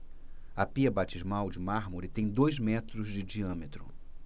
a pia batismal de mármore tem dois metros de diâmetro